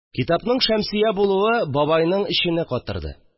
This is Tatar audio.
Китапның «Шәмсия» булуы бабайның эчене катырды